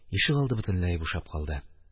Ишегалды бөтенләй бушап калды.